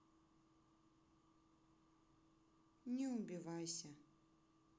не убивайся